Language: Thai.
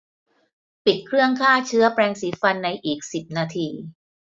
ปิดเครื่องฆ่าเชื้อแปรงสีฟันในอีกสิบนาที